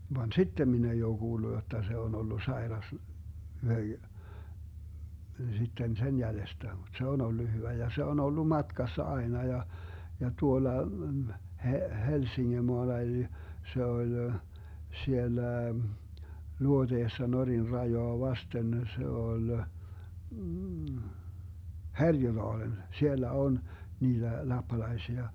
vaan sitten minä ei ole kuullut jotta se on ollut sairas sitten sen jäljestä mutta se on ollut hyvä ja se on ollut matkassa aina ja ja tuolla - Helsingemaalla eli se oli siellä luoteessa Norjan rajaa vasten se oli Härjödaalen siellä on niitä lappalaisia